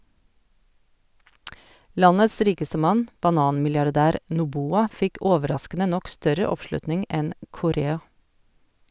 Landets rikeste mann, bananmilliardær Noboa, fikk overraskende nok større oppslutning enn Correa.